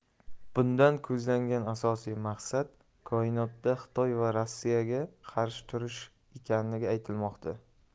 bundan ko'zlangan asosiy maqsad koinotda xitoy va rossiyaga qarshi turish ekanligi aytilmoqda